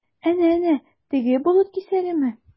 Әнә-әнә, теге болыт кисәге?